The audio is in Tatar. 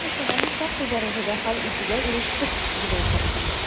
Бәйле мәсьәләне шактый дәрәҗәдә хәл итүгә ирештек, дип әйтер идем.